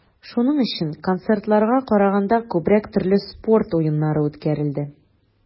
Шуның өчен, концертларга караганда, күбрәк төрле спорт уеннары үткәрелде.